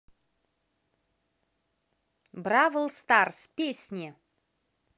бравл старс песни